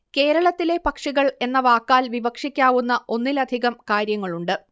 കേരളത്തിലെ പക്ഷികൾ എന്ന വാക്കാൽ വിവക്ഷിക്കാവുന്ന ഒന്നിലധികം കാര്യങ്ങളുണ്ട്